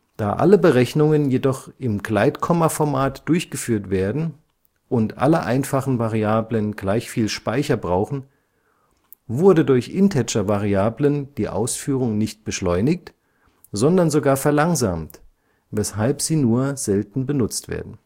Da alle Berechnungen jedoch im Gleitkommaformat durchgeführt werden und alle einfachen Variablen gleich viel Speicher brauchen, wurde durch Integervariablen die Ausführung nicht beschleunigt, sondern sogar verlangsamt, weshalb sie nur selten benutzt wurden